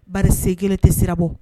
Bari sen kelen tɛ sira bɔ.